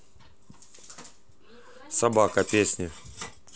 собака песня